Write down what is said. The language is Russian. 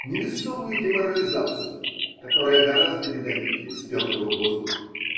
невесомую деморализацию, которая гораздо ядовитее спертого воздуха.